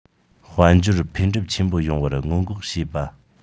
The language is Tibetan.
དཔལ འབྱོར འཕེལ འགྲིབ ཆེན པོ ཡོང བར སྔོན འགོག བྱེད པ